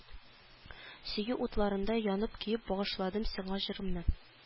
Сөю утларында янып-көеп багышладым сиңа җырымны